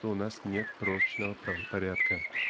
что у нас нет прочного правопорядка.